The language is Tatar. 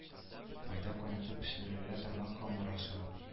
Майда кайнатып пешерелә торган камыр ашы